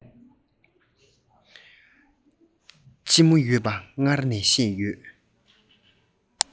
ལྕི མོ ཡོད པ སྔར ནས ཤེས ཡོད